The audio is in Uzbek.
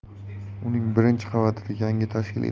uning birinchi qavatida yangi tashkil